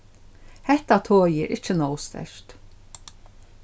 hetta togið er ikki nóg sterkt